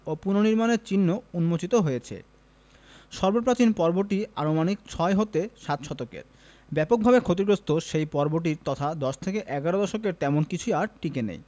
ও পুনঃনির্মাণের চিহ্ন উন্মোচিত হয়েছে সর্বপ্রাচীন পর্বটি আনুমানিক ছয় হতে সাত শতকের ব্যাপকভাবে ক্ষতিগ্রস্ত শেষ পর্বটির তথা দশ থেকে এগারো শতকের তেমন কিছুই আর টিকে নেই